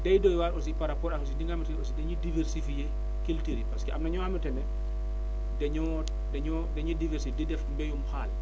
day doy waar aussi par rapport ak li nga xam te ne aussi dañuy diversifier cultures yi parce que am na ñoo xamante ne dañoo dañoo dañuy diversifier di def mbéyum xaal